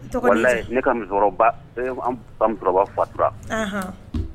Ne kaba fatura